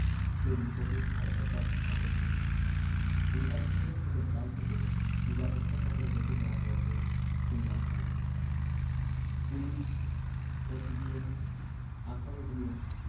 তৈরির পথে আরো একধাপ অগ্রসর হবে নির্বাচন উপলক্ষে গতকাল থেকে নিরাপত্তার চাদরে ঢেকে ফেলা হয়েছে খুলনা মহানগরী পুলিশ এপিবিএন আনসার ব্যাটালিয়ন